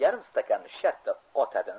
yarim stakanni shartta otadi